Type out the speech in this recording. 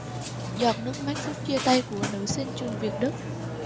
giọt nước mắt phút chia tay của nữ sinh trường việt đức